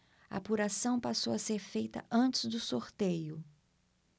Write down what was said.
a apuração passou a ser feita antes do sorteio